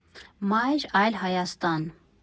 Մայր (այլ) Հայաստան։